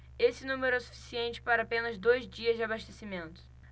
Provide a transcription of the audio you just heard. esse número é suficiente para apenas dois dias de abastecimento